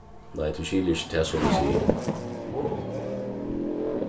nei tú skilur ikki tað sum eg sigi